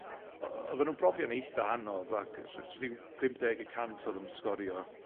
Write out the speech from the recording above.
o- oeddan nw'n brofion eitha anodd, ac ry- ryw pymp deg y cant oeddan nhw'n sgorio